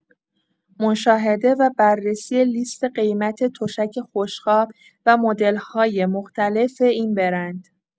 مشاهده و بررسی لیست قیمت تشک خوشخواب و مدل‌های مختلف این برند